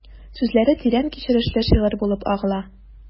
Сүзләре тирән кичерешле шигырь булып агыла...